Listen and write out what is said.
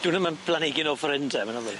Dyw w'm yn blanigyn o ffor 'yn ten ?